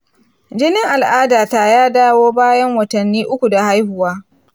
jinin al'ada ta ya dawo bayan watanni uku da haihuwa.